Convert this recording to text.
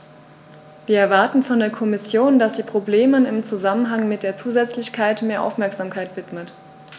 Wir erwarten von der Kommission, dass sie Problemen im Zusammenhang mit der Zusätzlichkeit mehr Aufmerksamkeit widmet.